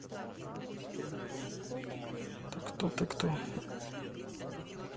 ты кто ты кто